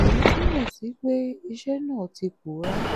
ìyẹn túmọ̀ sí pé iṣẹ́ náà ti pòórá.